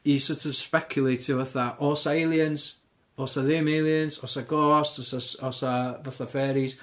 i sort of speciwleitio fatha oes 'na aliens? Oes 'na ddim aliens? Oes 'na ghosts? Os oes 'na oes 'na fatha fairies?.